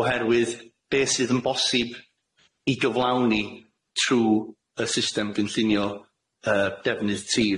oherwydd be' sydd yn bosib i gyflawni trw y system gynllunio yy defnydd tir ia?